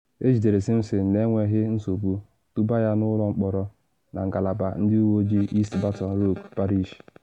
Ejidere Simpson na enweghị nsogbu, dubaa ya n’ụlọ mkpọrọ na Ngalaba Ndị Uwe Ojii East Baton Rouge Parish.